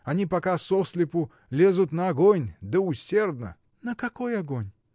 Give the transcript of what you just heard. Они пока сослепа лезут на огонь, да усердно. — На какой огонь?